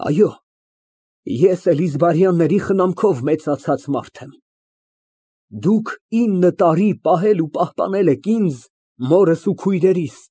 Այո, ես Էլիզբարյանների խնամքով մեծացած մարդ եմ։ Դուք ինը տարի պահել ու պահպանել եք ինձ, մորս ու քույրերիս։